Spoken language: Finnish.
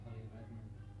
oli varmaankin